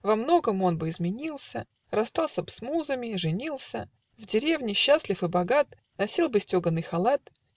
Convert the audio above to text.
Во многом он бы изменился, Расстался б с музами, женился, В деревне, счастлив и рогат, Носил бы стеганый халат